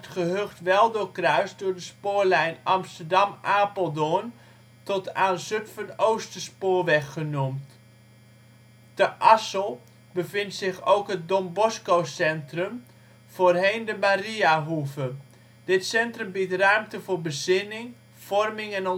gehucht wel doorkruist door de spoorlijn Amsterdam - Apeldoorn, tot aan Zutphen Oosterspoorweg genoemd. Te Assel bevindt zich ook het Don Bosco Centrum, voorheen de Mariahoeve. Dit centrum biedt ruimte voor bezinning, vorming en